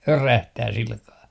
örähtää sillä kalella